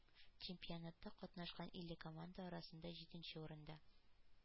– чемпионатта катнашкан илле команда арасында җиденче урында.